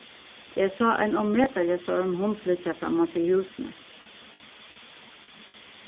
eg sá ein ómetaliga stóran hund liggja framman fyri húsini